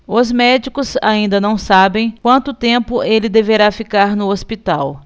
os médicos ainda não sabem quanto tempo ele deverá ficar no hospital